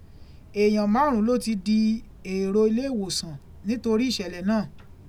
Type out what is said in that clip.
Èèyàn márùn ún ló ti di èèrò ilé ìwòsàn nítorí ìṣẹ̀lẹ̀ náà.